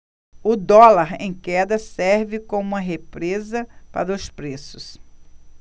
o dólar em queda serve como uma represa para os preços